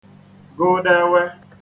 gụdēwē